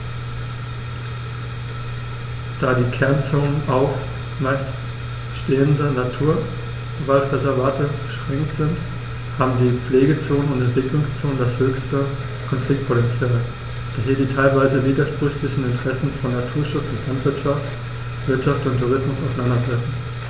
Da die Kernzonen auf – zumeist bestehende – Naturwaldreservate beschränkt sind, haben die Pflegezonen und Entwicklungszonen das höchste Konfliktpotential, da hier die teilweise widersprüchlichen Interessen von Naturschutz und Landwirtschaft, Wirtschaft und Tourismus aufeinandertreffen.